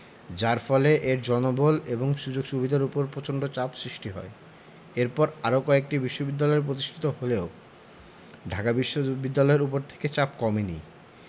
যার ফলে এর জনবল ও সুযোগ সুবিধার ওপর পচন্ড চাপ সৃষ্টি হয় এরপর আরও কয়েকটি বিশ্ববিদ্যালয় পতিষ্ঠিত হলেও ঢাকা বিশ্ববিদ্যালয়ের ওপর থেকে চাপ কমেনি